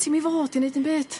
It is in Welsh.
Ti'm i fod i neud dim byd.